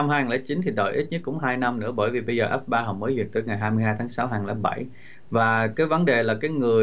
năm hai nghìn lẻ chín khi đợi ít nhất cũng hai năm nữa bởi vì bây giờ ấp ba họ mới tới ngày hai mươi hai tháng sáu hàng lớp bảy và cái vấn đề là cái người